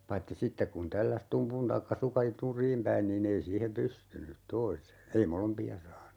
paitsi sitten kun tälläsi tumpun tai sukan nurin päin niin ei siihen pystynyt toisen ei molempia saanut